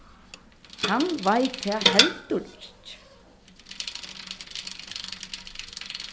hann veit tað heldur ikki